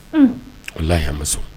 Un walahi a ma sɔn